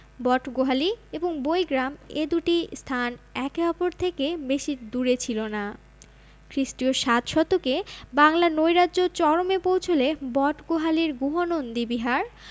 বটগোহালী এবং বৈগ্রাম এ দুটি স্থান একে অপর থেকে বেশিদূরে ছিল না খ্রিস্টীয় সাত শতকে বাংলায় নৈরাজ্য চরমে পৌঁছলে বটগোহালীর গুহনন্দী বিহার